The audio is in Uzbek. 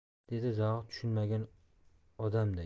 dedi zohid tushunmagan odamday